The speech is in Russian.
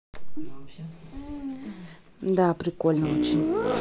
да прикольно очень